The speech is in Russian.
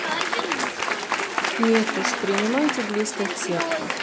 нет уж принимай близко к сердцу